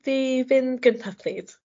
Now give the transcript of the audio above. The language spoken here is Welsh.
di fynd gyntaf plîs?